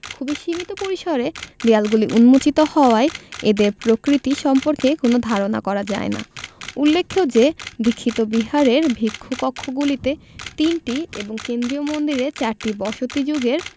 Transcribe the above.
খুবই সীমিত পরিসরে দেয়ালগুলি উন্মোচিত হওয়ায় এদের প্রকৃতি সম্পর্কে কোন ধারণা করা যায় না উল্লেখ্য যে দীক্ষিত বিহারের ভিক্ষু কক্ষগুলিতে তিনটি এবং কেন্দ্রীয় মন্দিরে চারটি বসতি যুগের